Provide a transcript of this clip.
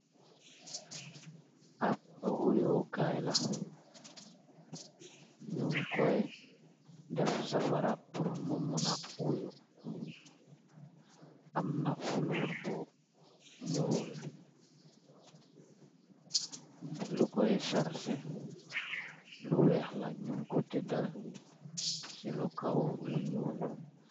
Ab huyukaay la ñun koy def safara purnumuna wuyu amna fuloor bu ñuul lu koy charse lu weex la ñun ko teddal ci lu kaw lu ñuul.